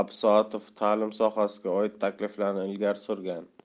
absoatov ta'lim sohasiga oid takliflarni ilgari surgan